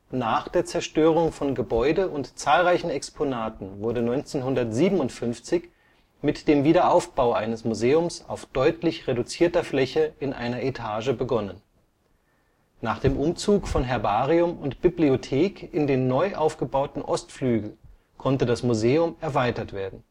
Nach der Zerstörung von Gebäude und zahlreichen Exponaten wurde 1957 mit dem Wiederaufbau eines Museums auf deutlich reduzierter Fläche in einer Etage begonnen. Nach dem Umzug von Herbarium und Bibliothek in den neu aufgebauten Ostflügel konnte das Museum erweitert werden